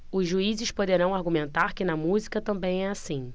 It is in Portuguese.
os juízes poderão argumentar que na música também é assim